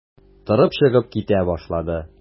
Торып чыгып китә башлады.